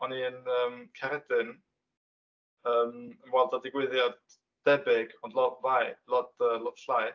On i yn yym Caeredin yn ymweld â digwyddiad debyg ond lot fai, lot yy lot llai.